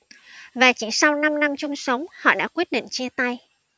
và chỉ sau năm năm chung sống họ đã quyết định chia tay